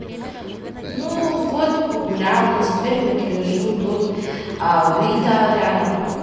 ну вот погуляла теперь вот лежу тут vita рядом